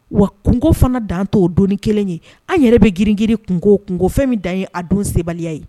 Wa kunko fana dan t'o donni kelen ye an yɛrɛ bɛ girin-girin kunko fɛn min dan ye a don sebaliya ye